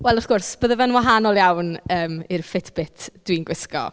Wel wrth gwrs bydde fe'n wahanol iawn yym i'r Fitbit dwi'n gwisgo.